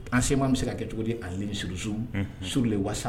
An sema bɛ se ka kɛ cogo di alimi suruz suur de wasa